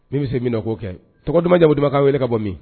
Ne bɛ se min na k koo kɛ tɔgɔ dɔjaba kaa wele ka bɔ min